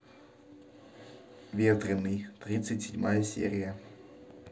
ветреный тридцать седьмая серия